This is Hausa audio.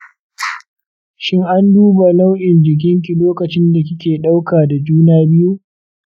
shin an duba nau'in jikinki lokacinda kike dauka da juna biyu?